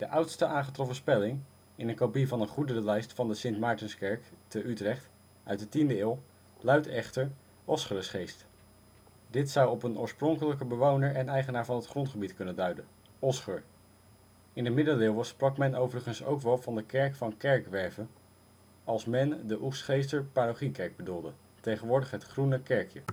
oudste aangetroffen spelling, in een kopie van een goederenlijst van de Sint-Maartenskerk te Utrecht uit de tiende eeuw luidt echter Osgeresgeest. Dit zou op een oorspronkelijke bewoner en eigenaar van het grondgebied kunnen duiden: Osger. In de Middeleeuwen sprak men overigens ook wel van de kerk van Kerckwerve, als men de Oegstgeester parochiekerk bedoelde (tegenwoordig het Groene Kerkje